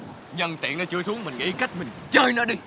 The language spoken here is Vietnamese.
nhân tiện nó chưa xuống mình nghĩ cách mình chơi nó đi